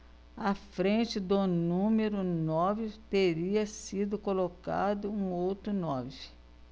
à frente do número nove teria sido colocado um outro nove